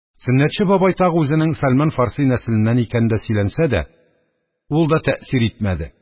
Сөннәтче бабай тагы үзенең Сәлман Фарси нәселеннән икәнен дә сөйләнсә дә, ул да тәэсир итмәде.